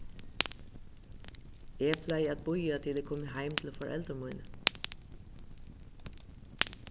eg plagi at bíða til eg komi heim til foreldur míni